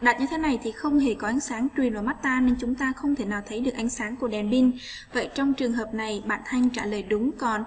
như thế này thì không thể có ánh sáng truyền vào mắt ta nên chúng ta không thể nào thấy được ánh sáng của đèn pin vậy trong trường hợp này bạn hãy trả lời đúng còn